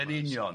Yn union.